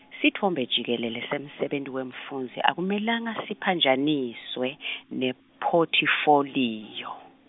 sitfombe jikelele semsebenti wemfundzi akumelanga siphanjaniswe , nephothifoliyo.